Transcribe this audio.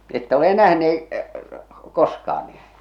ette ole nähneet koskaan niin